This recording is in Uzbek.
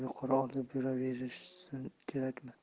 yuqori olib yuraverish kerakmi